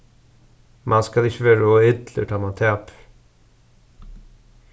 mann skal ikki verður ov illur tá mann tapir